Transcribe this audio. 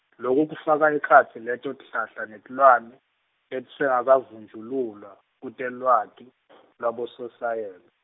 Loku kufaka ekhatsi leto tihlahla netilwane, letisengakavunjululwa, kutelwati , lwaboSosayens-.